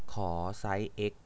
ขอไซส์เอ็กซ์